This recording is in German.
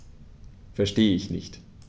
Verstehe nicht.